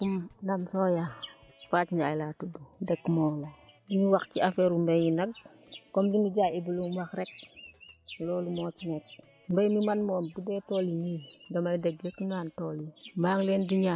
salaamaaleykum Fatou Ndiaye laa tudd dëkk Mawla ñuy wax ci affaire mbéy mi nag comme li nijaay Ibou li mu wax rek loolu moo ci nekk mbéy mi man moom bu dee tool yi nii damay dégg rek ñu naan tool yi